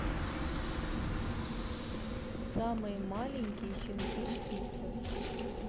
самые маленькие щенки шпицев